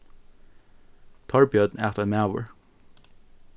torbjørn æt ein maður